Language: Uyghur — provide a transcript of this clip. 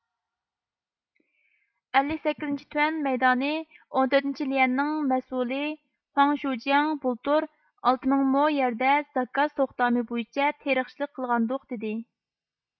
ئەللىك سەككىزىنچى تۇەن مەيدانى ئون تۆتىنچى ليەنىنىڭ مەسئۇلى خۇاڭ شۇجياڭ بۇلتۇر ئالتە مىڭ مو يەردە زاكاز توختامى بويىچە تېرىقچىلىق قىلغانىدۇق دېدى